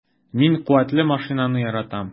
Мин куәтле машинаны яратам.